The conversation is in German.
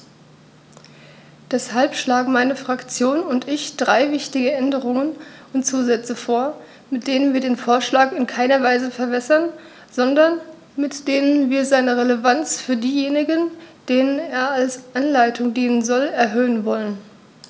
Deshalb schlagen meine Fraktion und ich drei wichtige Änderungen und Zusätze vor, mit denen wir den Vorschlag in keiner Weise verwässern, sondern mit denen wir seine Relevanz für diejenigen, denen er als Anleitung dienen soll, erhöhen wollen.